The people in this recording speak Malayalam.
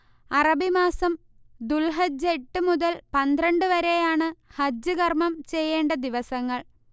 അറബിമാസം ദുൽഹജ്ജ് എട്ട് മുതൽ പന്ത്രണ്ട് വരെയാണ് ഹജ്ജ് കർമ്മം ചെയ്യേണ്ട ദിവസങ്ങൾ